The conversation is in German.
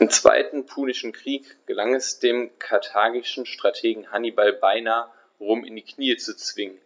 Im Zweiten Punischen Krieg gelang es dem karthagischen Strategen Hannibal beinahe, Rom in die Knie zu zwingen,